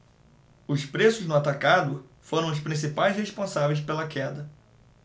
os preços no atacado foram os principais responsáveis pela queda